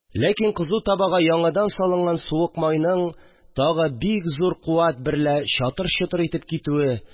Ләкин кызу табага яңадан салынган суык майның тагы бик зур куәт берлә чатыр-чотыр итеп китүе